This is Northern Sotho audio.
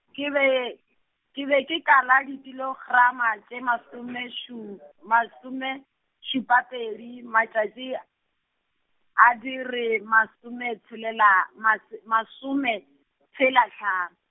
ke be, ke be ke kala ditilograma tše masome šu-, masome šupa pedi matšatši, a di re masome tshelela, mase- masome, tshela hlano.